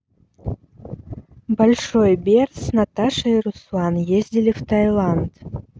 большой берс наташа и руслан ездили в таиланд